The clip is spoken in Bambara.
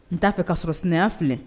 N t'a fɛ k kaa sɔrɔ sɛnɛ filɛ